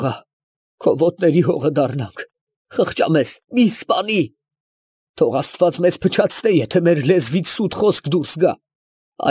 Աղա, քո ոտների հողը դառնանք, խղճա մեզ, մի՛ սպանիր… Թո՛ղ աստված մեզ փչացնե, եթե մեր լեզվից սուտ խոսք դուրս գա։